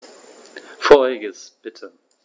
Vorheriges bitte.